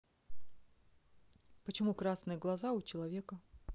почему красные глаза у человека